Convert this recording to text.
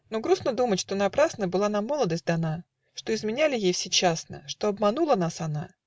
Но грустно думать, что напрасно Была нам молодость дана, Что изменяли ей всечасно, Что обманула нас она